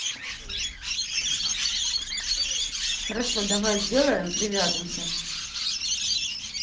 хорошо давай сделаем привяжемся